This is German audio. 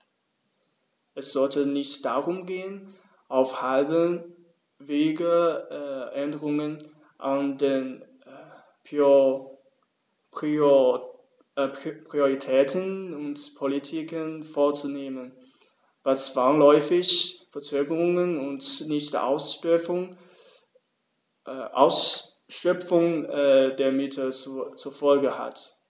Es sollte nicht darum gehen, auf halbem Wege Änderungen an den Prioritäten und Politiken vorzunehmen, was zwangsläufig Verzögerungen und Nichtausschöpfung der Mittel zur Folge hat.